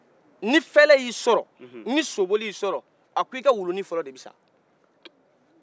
ni fɛlɛ y'i sɔrɔ ni soboli y'i sɔrɔ a ko i ka wulunin fɔlɔ de be sa